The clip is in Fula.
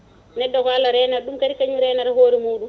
neɗɗo ko Allah renata ɗum